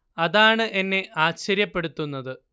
അതാണ് എന്നെ ആശ്ചര്യപ്പെടുത്തുന്നത്